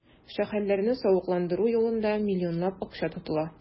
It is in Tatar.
Шәһәрләрне савыкландыру юлында миллионлап акча тотыла.